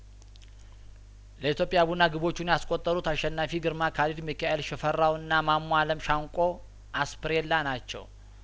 ለኢትዮጵያ ቡና ግቦቹን ያስቆጠሩት አሸናፊ ግርማ ካሊድ ሚካኤል ሽፈራውና ማሞ አለም ሻንቆ አስፕሬላ ናቸው